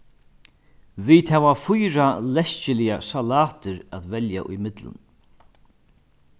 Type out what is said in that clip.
vit hava fýra leskiligar salatir at velja í millum